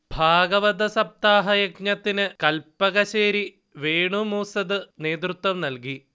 ഭാഗവതസപ്താഹ യജ്ഞത്തിന് കല്പകശ്ശേരി വേണു മൂസ്സത് നേതൃത്വം നൽകി